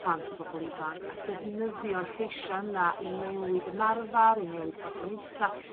plant a pobol ifanc a defnyddio'r lleisa yna i newid ymarfar i newid gwasanaetha'